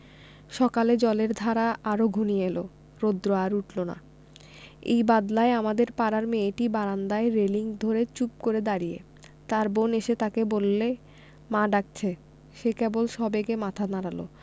সকালে জলের ধারা আরো ঘনিয়ে এল রোদ্র আর উঠল না এই বাদলায় আমাদের পাড়ার মেয়েটি বারান্দায় রেলিঙ ধরে চুপ করে দাঁড়িয়ে তার বোন এসে তাকে বললে মা ডাকছে সে কেবল সবেগে মাথা নাড়ল